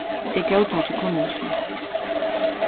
eg góðtaki kunningina